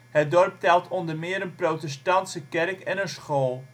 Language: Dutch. Het dorp telt onder meer een protestantse kerk en een school